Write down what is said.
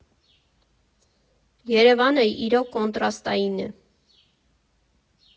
Երևանը իրոք կոնտրաստային է։